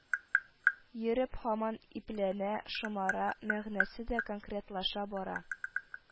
Йөреп һаман ипләнә, шомара, мәгънәсе дә конкретлаша бара